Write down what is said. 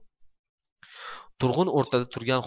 turg'un o'rtada turgan